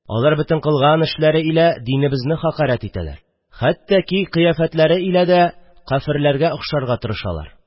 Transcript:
Алар бөтен кылган эшләре илә динебезне хәкәрәт итәләр, хәттә ки кыяфәтләре илә дә кяферләргә охшарга тырышалар.